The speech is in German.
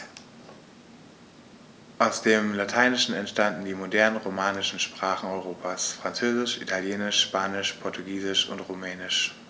Aus dem Lateinischen entstanden die modernen „romanischen“ Sprachen Europas: Französisch, Italienisch, Spanisch, Portugiesisch und Rumänisch.